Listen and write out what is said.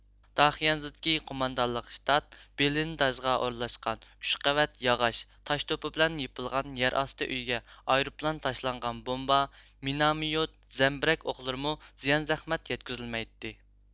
داخىيەنزىدىكى قوماندانلىق شتاب بېلىنداژغا ئورۇنلاشقان ئۈچ قەۋەت ياغاچ تاش توپا بىلەن يېپىلغان يەر ئاستى ئۆيىگە ئايروپىلان تاشلىغان بومبا مىناميوت زەمبىرەك ئوقلىرىمۇ زىيان زەخمەت يەتكۈزەلمەيتتى